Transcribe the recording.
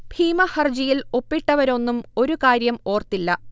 ഭീമ ഹർജിയിൽ ഒപ്പിട്ടവരൊന്നും ഒരു കാര്യം ഓര്ത്തില്ല